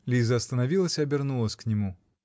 Лиза остановилась и обернулась к нему.